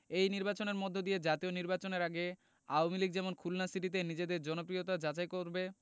এই নির্বাচনের মধ্য দিয়ে জাতীয় নির্বাচনের আগে আওয়ামী লীগ যেমন খুলনা সিটিতে নিজেদের জনপ্রিয়তা যাচাই করবে